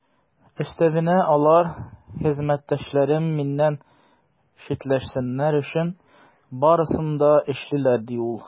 Өстәвенә, алар хезмәттәшләрем миннән читләшсеннәр өчен барысын да эшлиләр, - ди ул.